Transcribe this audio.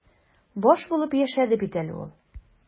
Баш булып яшәде бит әле ул.